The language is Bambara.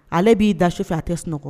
Ale b'i da sufɛ a tɛ sunɔgɔ